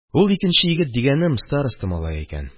Ул икенче егет дигәнем староста малае икән.